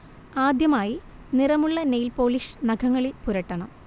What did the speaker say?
ആദ്യമായി നിറമുള്ള nail polish നഖങ്ങളിൽ പുരട്ടണം